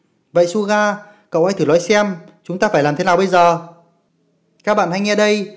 vậy suga cậu hãy thuer nói xem chúng ta phải làm thế nào bây giờ các bạn hay nghe đây